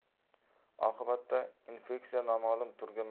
oqibatda infeksiya noma'lum turga